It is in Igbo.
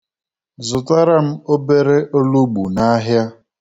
Zụtara m obere olugbu n'ahia.